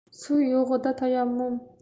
suv yo'g'ida tayammum